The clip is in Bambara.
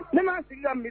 N' man sigi kami